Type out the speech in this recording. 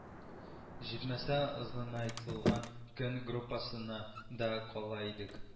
Җитмәсә озынайтылган көн группасына да кала идек